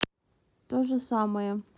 тоже самое